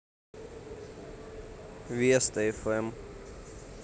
веста фм